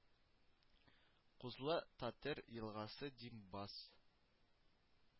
Кузлы Тәтер елгасы Дим бас